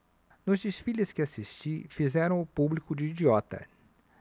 nos desfiles que assisti fizeram o público de idiota